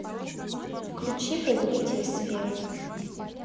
включи повелитель сфер